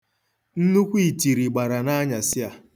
Nnukwu itiri gbara n'anyasị a.